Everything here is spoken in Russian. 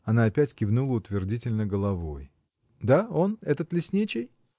Она опять кивнула утвердительно головой. — Да, он, этот лесничий?